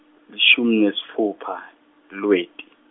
lishumi nesitfupha, Lweti.